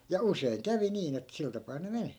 ja usein kävi niin että sillä tapaa ne meni